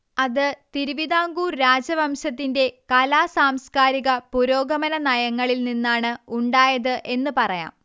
അത് തിരുവിതാംകൂർ രാജവംശത്തിന്റെ കലാ സാംസ്കാരിക പുരോഗമന നയങ്ങളിൽ നിന്നാണ് ഉണ്ടായത് എന്ന് പറയാം